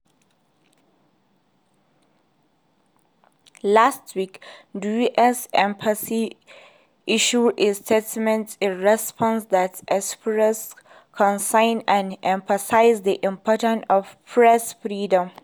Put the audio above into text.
Last week, the U.S. Embassy issued a statement in response that expressed concern and emphasized the importance of press freedom.